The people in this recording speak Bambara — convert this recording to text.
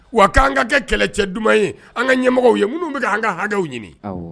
Wa k'an ka kɛ kɛlɛcɛ duman ye an ka ɲɛmɔgɔw ye minnu bɛ k'an ka hakɛ ɲini, awɔ